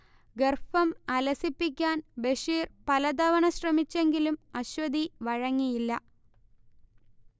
ഗർഭം അലസിപ്പിക്കാൻ ബഷീർ പലതവണ ശ്രമിച്ചെങ്കിലും അശ്വതി വഴങ്ങിയില്ല